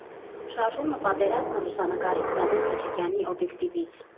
Շարժումն ու պատերազմը՝ լուսանկարիչ Զավեն Խաչիկյանի օբյեկտիվից։